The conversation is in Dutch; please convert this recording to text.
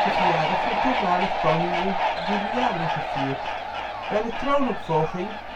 verjaardag van (toenmalig) Koningin Juliana gevierd. Bij de troonsopvolging